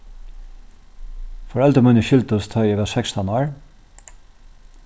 foreldur míni skildust tá ið eg var sekstan ár